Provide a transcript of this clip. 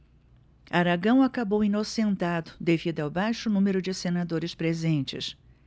aragão acabou inocentado devido ao baixo número de senadores presentes